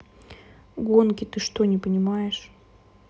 гонки ты что не понимаешь